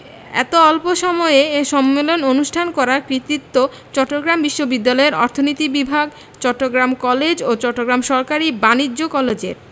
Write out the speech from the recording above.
এত অল্প এ সম্মেলন অনুষ্ঠান করার কৃতিত্ব চট্টগ্রাম বিশ্ববিদ্যালয়ের অর্থনীতি বিভাগ চট্টগ্রাম কলেজ এবং চট্টগ্রাম সরকারি বাণিজ্য কলেজের